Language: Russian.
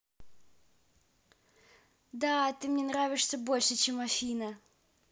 да ты мне нравишься больше чем афина